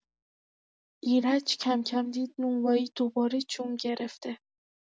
ایرج کم‌کم دید نونوایی دوباره جون گرفته.